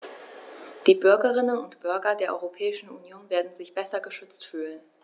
Die Bürgerinnen und Bürger der Europäischen Union werden sich besser geschützt fühlen.